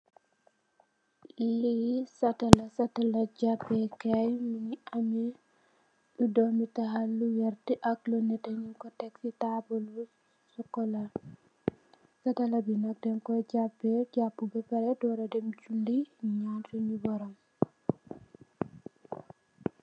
Lii catala catala japekaay lu am dumetahal lu warrte ak lu nete ng ko tak ci tabul bu sokola catala be nk dan kuyi jape du ar juli jaamu yalla.